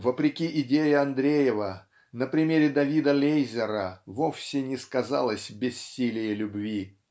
вопреки идее Андреева на примере Давида Лейзера вовсе не сказалось бессилие любви.